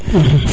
`